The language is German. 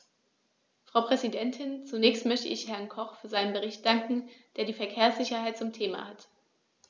Frau Präsidentin, zunächst möchte ich Herrn Koch für seinen Bericht danken, der die Verkehrssicherheit zum Thema hat.